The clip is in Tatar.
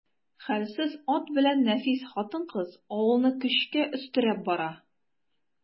Хәлсез ат белән нәфис хатын-кыз авылны көчкә өстерәп бара.